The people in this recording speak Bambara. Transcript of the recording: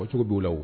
Ɔ, cogo bo' la wo.